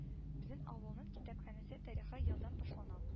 Безнең авылның китапханәсе тарихы елдан башлана